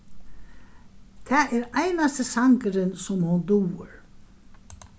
tað er einasti sangurin sum hon dugir